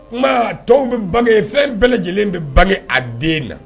Tɔw bɛ bange ye fɛn bɛɛ lajɛlen bɛ bange a den na